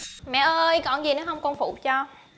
mẹ ơi còn gì nữa hông con phụ cho